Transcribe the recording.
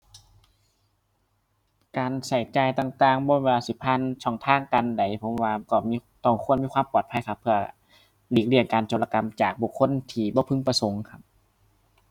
การใช้จ่ายต่างต่างบ่แม่นว่าสิผ่านช่องทางการใด ผมว่าก็มี ต้องควรมีความปลอดภัยสำหรับเพื่อหลีกเลี่ยงการโจรกรรมจากบุคคลที่บ่พึงประสงค์ครับ